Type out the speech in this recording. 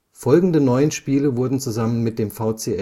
Folgende neun Spiele wurden zusammen mit dem VCS